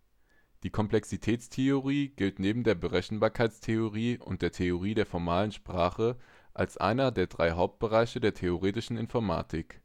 Die Komplexitätstheorie gilt, neben der Berechenbarkeitstheorie und der Theorie der Formalen Sprachen, als einer der drei Hauptbereiche der Theoretischen Informatik